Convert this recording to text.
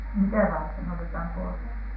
mitä varten otetaan pois